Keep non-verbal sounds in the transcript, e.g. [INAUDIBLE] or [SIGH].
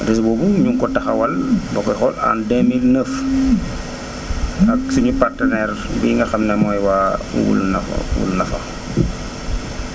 réseau boobu ñu ngi ko [NOISE] taxawal boo koy xool en 2009 [NOISE] [NOISE] ak suñu partenaire bii nga xam ne mooy waa Wulu Nafa [NOISE] wulu Nafa [NOISE]